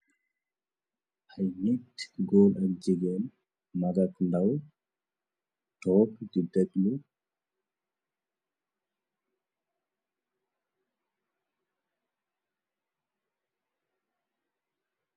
Ay niit, góor ak jigéen, mag ak ndaw toog di deglu.